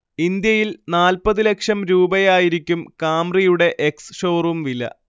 ഇന്ത്യയിൽ നാല്പത് ലക്ഷം രൂപയായിരിക്കും കാംറിയുടെ എക്സ്ഷോറും വില